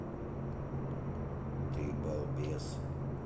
ты балбес